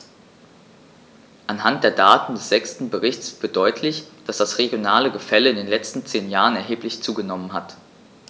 Anhand der Daten des sechsten Berichts wird deutlich, dass das regionale Gefälle in den letzten zehn Jahren erheblich zugenommen hat.